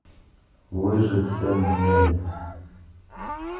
выжить семь дней